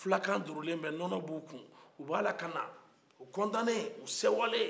fulakan durulen bɛ nɔnɔ b'u kun u kɔntannen u sewalen